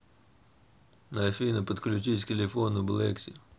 афина подключись к телефону blaxy